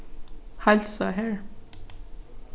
heilsa har